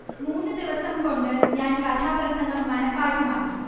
മൂന്നു ദിവസം കൊണ്ട് ഞാൻ കഥാപ്രസംഗം മനഃപാഠമാക്കി